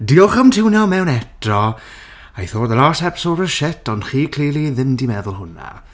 Diolch am tiwnio mewn eto. I thought the last episode was shit ond chi clearly ddim 'di meddwl hwnna.